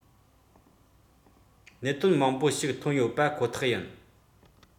གནད དོན མང པོ ཞིག ཐོན ཡོད པ ཁོ ཐག ཡིན